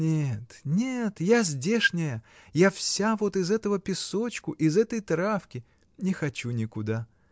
Нет, нет, я здешняя, я вся вот из этого песочку, из этой травки! не хочу никуда.